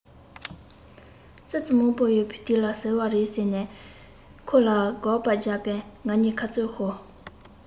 ཙི ཙི མང པོ ཡོད པའི དུས ལ ཟེར བ རེད ཟེར ནས ཁོ ལ དགག པ བརྒྱབ པས ང གཉིས ཁ རྩོད ཤོར